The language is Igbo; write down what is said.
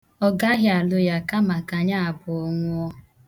Ọ gaghị alụ ya, kama ka anyị abụọ nwụọ.